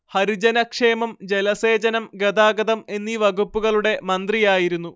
ഹരിജനക്ഷേമം ജലസേചനം ഗതാഗതം എന്നീ വകുപ്പുകളുടെ മന്ത്രിയായിരുന്നു